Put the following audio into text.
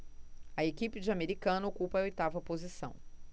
a equipe de americana ocupa a oitava posição